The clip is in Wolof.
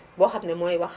boo xam ne mooy wax